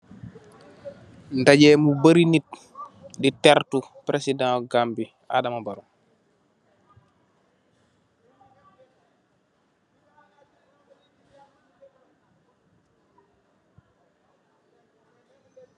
Ndajéé mu barri nit, di tertu presida Gambi Adama Barrow .